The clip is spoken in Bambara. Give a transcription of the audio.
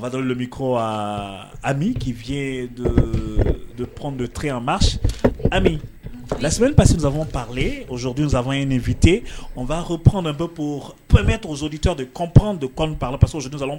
Fa don bɛ ko aa ami k'i vyepdoyanma ami la pasiɔn pa od zanɔnye nin vtefaa ko pan bɛ p bɛ todita de kɔnp depsanɔn